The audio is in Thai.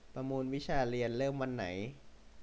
ประมูลวิชาเรียนเริ่มวันไหน